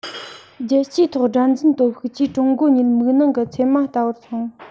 རྒྱལ སྤྱིའི ཐོག དགྲར འཛིན སྟོབས ཤུགས ཀྱིས ཀྲུང གོ ཉིད མིག ནང གི ཚེར མ ལྟ བུར མཐོང